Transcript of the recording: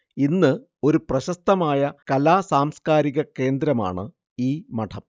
ഇന്ന് ഒരു പ്രശസ്തമായ കലാ സാംസ്കാരിക കേന്ദ്രമാണ് ഈ മഠം